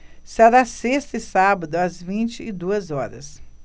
será sexta e sábado às vinte e duas horas